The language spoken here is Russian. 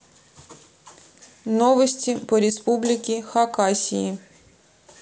новости по республике хакасии